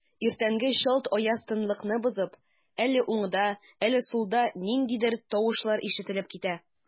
Иртәнге чалт аяз тынлыкны бозып, әле уңда, әле сулда ниндидер тавышлар ишетелеп китә.